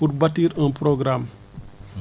pour batir un programme